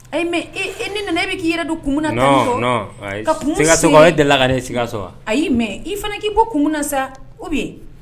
Mɛ e ni nana e bɛ k'i yɛrɛ donk da ka da la si ayi mɛ i fana k'i bɔ kun sa o bɛ yen